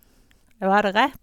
Ja, var det rett?